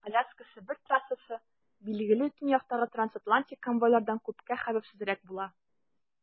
Аляска - Себер трассасы, билгеле, төньяктагы трансатлантик конвойлардан күпкә хәвефсезрәк була.